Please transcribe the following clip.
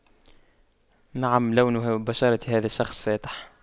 نعم لونه بشرة هذا الشخص فاتح